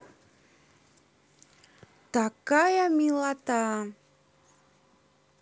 такая милота